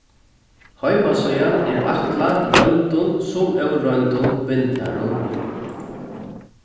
heimasíðan er ætlað royndum sum óroyndum bindarum